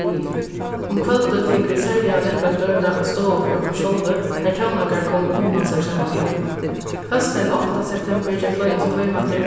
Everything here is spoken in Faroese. býin um kvøldið fingu vit serliga lekkran døgurða í stovu fyri okkum sjálv har tónleikarar komu og hugnaðu sær saman við okkum hósdagin áttanda septembur gekk leiðin so heim aftur